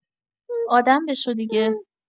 آدم بشو دیگه!